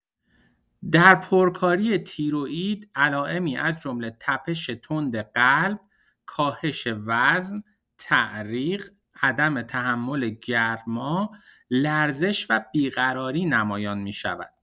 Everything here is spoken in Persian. در پرکاری تیروئید علائمی از جمله تپش تند قلب، کاهش وزن، تعریق، عدم تحمل گرما، لرزش و بیقراری نمایان می‌شود.